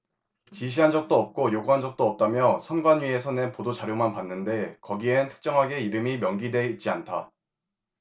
지시한 적도 없고 요구한 적도 없다며 선관위에서 낸 보도자료만 봤는데 거기엔 특정하게 이름이 명기돼 있지 않다